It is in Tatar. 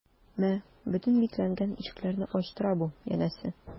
Мә, бөтен бикләнгән ишекләрне ачтыра бу, янәсе...